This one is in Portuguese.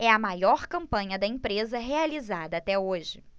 é a maior campanha da empresa realizada até hoje